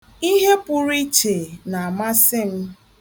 Ihe pụrụ iche na-amasị m.